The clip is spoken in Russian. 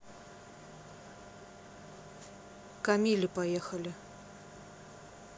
камиле поехали